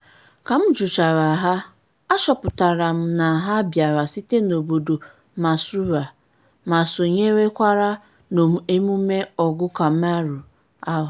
Ka m jụchara ha, achọpụtara m na ha bịara site n'obodo Mansoura ma sonyerekwara n'emume "Ọgụ Kamelụ" ahụ.